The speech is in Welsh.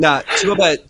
Na. T'mod be'